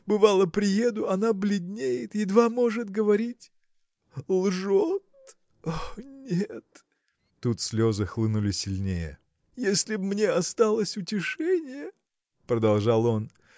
Бывало, приеду, она бледнеет, едва может говорить. лжет. о нет. Тут слезы хлынули сильнее. – Если б мне осталось утешение – продолжал он